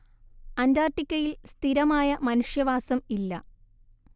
അന്റാർട്ടിക്കയിൽ സ്ഥിരമായ മനുഷ്യവാസം ഇല്ല